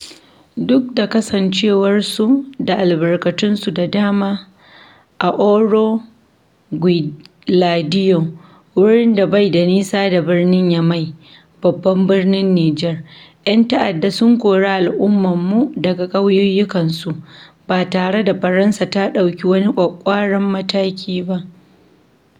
Duk da kasancewarsu da albarkatunsu da dama, a Ouro Guéladio, wurin da bai da nisa da birnin Yamai, babban birnin Nijar, 'yan ta'adda sun kori al’ummarmu daga ƙauyukansu, ba tare da Faransa ta ɗauki wani ƙwaƙƙwaran mataki ba.